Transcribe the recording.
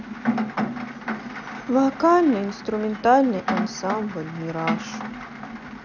вокально инструментальный ансамбль мираж